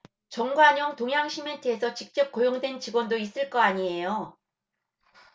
정관용 동양시멘트에서 직접 고용된 직원도 있을 거 아니에요